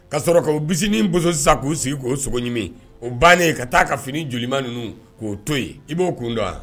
Ka sɔrɔ' bisimila bo sisan k'u sigi k'o sogo ɲumanmi o bannen ka taa ka fini joliman ninnu k'o to yen i b'o kun dɔn wa